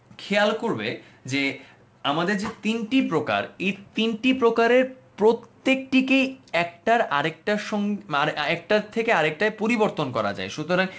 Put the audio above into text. খেয়াল করবে যে আমাদের যে তিনটি প্রকার এ তিনটি প্রকারের প্রত্যেকটি কেই একটা আরেকটার সঙ্গে একটার থেকে আরেকটা পরিবর্তন করা যায় সুতরাং